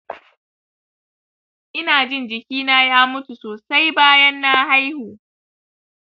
inajin jikina ya mutu sosai bayan na haihu